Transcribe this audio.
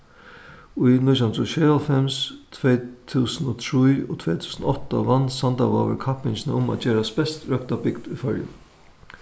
í nítjan hundrað og sjeyoghálvfems tvey túsund og trý og tvey túsund og átta vann sandavágur kappingina um at gerast best røkta bygd í føroyum